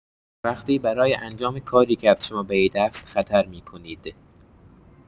وقتی برای انجام کاری که از شما بعید است، خطر می‌کنید.